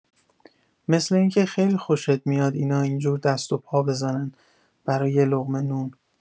مثل اینکه خیلی خوشت میاد اینا اینجور دست و پا بزنن برا یه لقمه نون!